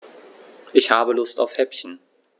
Ich habe Lust auf Häppchen.